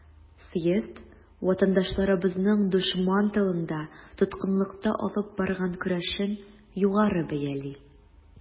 Съезд ватандашларыбызның дошман тылында, тоткынлыкта алып барган көрәшен югары бәяли.